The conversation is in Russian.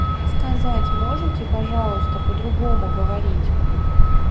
сказать можете пожалуйста по другому говорить